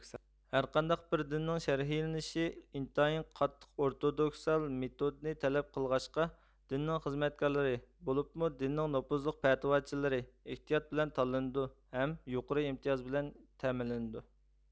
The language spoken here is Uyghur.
ھەر قانداق بىر دىننىڭ شەرھلىنىشى ئىنتايىن قاتتىق ئورتودوكسال مېتودنى تەلەپ قىلغاچقا دىننىڭ خىزمەتكارلىرى بولۇپمۇ دىننىڭ نوپۇزلۇق پەتىۋاچىلىرى ئېھتىيات بىلەن تاللىنىدۇ ھەم يۇقىرى ئىمتىياز بىلەن تەمىنلىنىدۇ